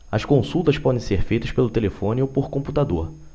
as consultas podem ser feitas por telefone ou por computador